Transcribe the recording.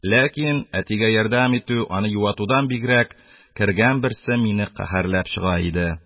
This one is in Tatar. Ләкин әтигә ярдәм итү, аны юатудан бигрәк, кергән берсе мине каһәрләп чыга иде.